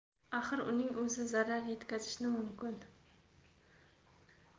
axir uning o'zi zarar etkazishi mumkin